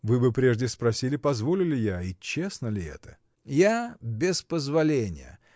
— Вы бы прежде спросили, позволю ли я — и честно ли это? — Я — без позволения.